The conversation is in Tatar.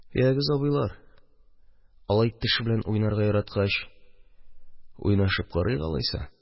– ягез, абыйлар, алай теш белән уйнарга яраткач, уйнашып карыйк, алайса.